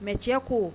Mɛ cɛ ko